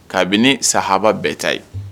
Kabini sahaaaba bɛɛ ta ye